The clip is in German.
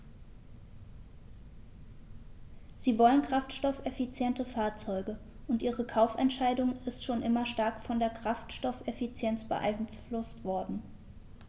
Sie wollen kraftstoffeffiziente Fahrzeuge, und ihre Kaufentscheidung ist schon immer stark von der Kraftstoffeffizienz beeinflusst worden.